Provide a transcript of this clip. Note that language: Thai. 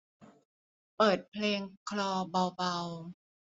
เปิดเพลงคลอเบาเบา